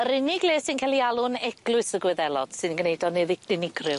Yr unig le sy'n ca'l ei alw'n Eglwys y Gwyddelod sy'n gneud o'n uni- unigryw.